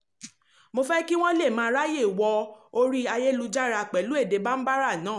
Mo fẹ́ kí wọ́n lè máa ráyè wọ orí ayélujára pẹ̀lú èdè Bambara náà.